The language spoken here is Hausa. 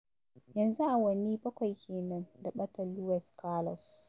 Yanzu awanni bakwai kenan da ɓatan Luis Carlos.